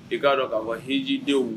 I k'a dɔn k'a fɔ hejidenw